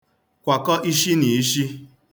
kwakọ ishinìishi